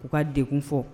U ka degkun fɔ